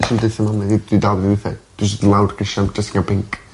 ...nesh i'm deutho n'w dwi dal dim deutha 'i jys dod i lawr grisia mew dressing gown pinc.